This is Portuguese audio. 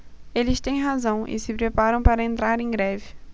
eles têm razão e se preparam para entrar em greve